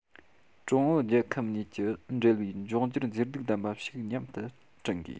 ༄༅ ཀྲུང ཨུ རྒྱལ ཁབ གཉིས ཀྱི འབྲེལ བའི འབྱུང འགྱུར མཛེས སྡུག ལྡན པ ཞིག མཉམ དུ བསྐྲུན དགོས